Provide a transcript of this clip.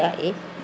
xoƴan i